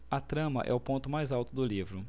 a trama é o ponto mais alto do livro